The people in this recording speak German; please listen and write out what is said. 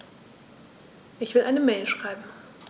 Ich will eine Mail schreiben.